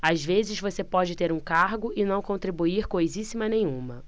às vezes você pode ter um cargo e não contribuir coisíssima nenhuma